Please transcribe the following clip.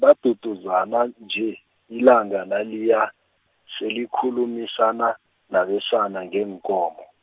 baduduzana nje, ilanga naliya, selikhulumisana, nabesana ngeenkomo.